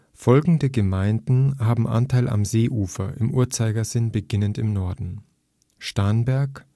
Folgende Gemeinden haben Anteil am Seeufer (im Uhrzeigersinn, beginnend im Norden): Starnberg